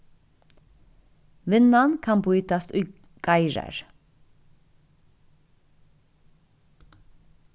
vinnan kann býtast í geirar